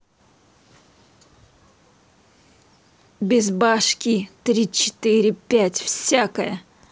без башки три четыре пять всякая